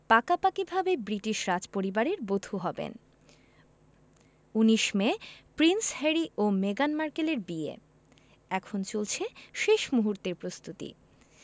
পাকাপাকিভাবে ব্রিটিশ রাজপরিবারের বধূ হবেন ১৯ মে প্রিন্স হ্যারি ও মেগান মার্কেলের বিয়ে এখন চলছে শেষ মুহূর্তের প্রস্তুতি